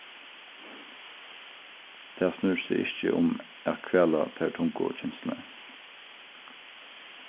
tað snýr seg ikki um at kvala tær tungu kenslurnar